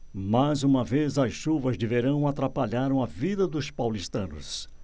mais uma vez as chuvas de verão atrapalharam a vida dos paulistanos